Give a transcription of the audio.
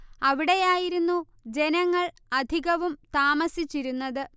അവിടെയായിരുന്നു ജനങ്ങൾ അധികവും താമസിച്ചിരുന്നത്